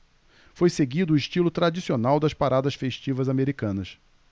foi seguido o estilo tradicional das paradas festivas americanas